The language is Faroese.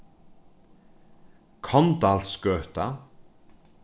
korndalsgøta